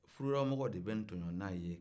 furuyɔrɔ mɔgɔw de bɛ tɔɲɔ n'a ye